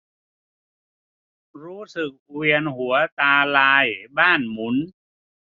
รู้สึกเวียนหัวตาลายบ้านหมุน